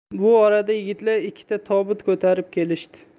bu orada yigitlar ikkita tobut ko'tarib kelishdi